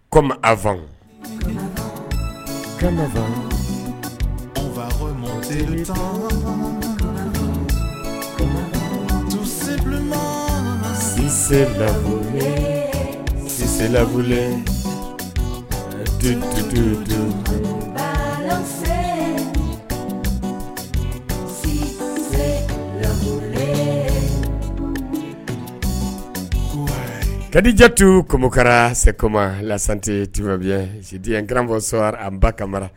Kɔmi a fan kadijatu kɔmokara sɛma late tiorobiya sidiran bɔsɔ an ba kama mara